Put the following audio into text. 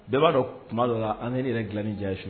Bɛɛ b'a dɔn tuma dɔ la an yɛrɛ dilani ja yesu